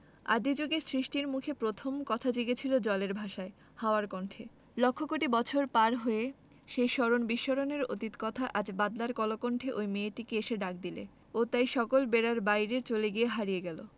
আদি জুগে সৃষ্টির মুখে প্রথম কথা জেগেছিল জলের ভাষায় হাওয়ার কণ্ঠে লক্ষ কোটি বছর পার হয়ে সেই স্মরণ বিস্মরণের অতীত কথা আজ বাদলার কলকণ্ঠে ঐ মেয়েটিকে এসে ডাক দিলে ও তাই সকল বেড়ার বাইরে চলে গিয়ে হারিয়ে গেল